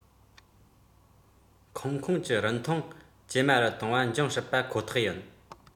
ཁང ཁོངས ཀྱི རིན ཐང ཇེ དམའ རུ གཏོང བ འབྱུང སྲིད པ ཁོ ཐག ཡིན